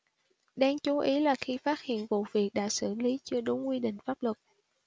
đáng chú ý là khi phát hiện vụ việc đã xử lý chưa đúng quy định pháp luật